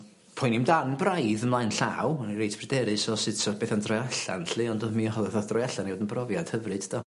poeni amdan braidd ymlaen llaw o'n i reit bryderus o sut o'dd betha'n droi allan 'lly ond o'dd mi droi allan i fod yn brofiad hyfryd do?